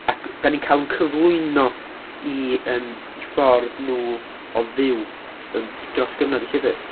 ac, dan ni'n cael ein cyflwyno i, yym, 'u ffordd nhw o fyw dros gyfnod y llyfr.